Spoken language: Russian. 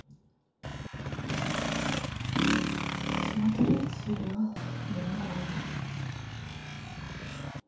смотреть сериал бригада